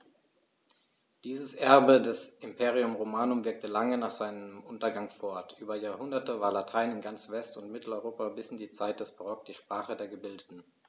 Dieses Erbe des Imperium Romanum wirkte lange nach seinem Untergang fort: Über Jahrhunderte war Latein in ganz West- und Mitteleuropa bis in die Zeit des Barock die Sprache der Gebildeten.